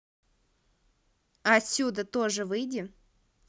отсюда тоже выйди